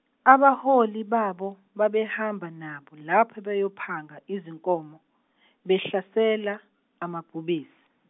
abaholi babo babehamba nabo lapho beyophanga izinkomo behlasela amabhubesi.